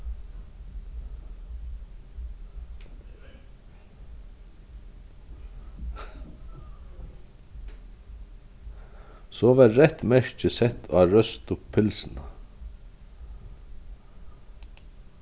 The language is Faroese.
so varð reytt merki sett á røstu pylsuna